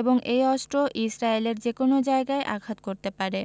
এবং এই অস্ত্র ইসরায়েলের যেকোনো জায়গায় আঘাত করতে পারে